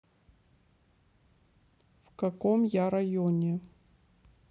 в каком я районе